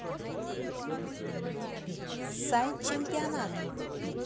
sid чемпионат